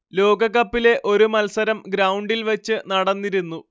ലോകകപ്പിലെ ഒരു മത്സരം ഗ്രൗണ്ടിൽ വെച്ച് നടന്നിരുന്നു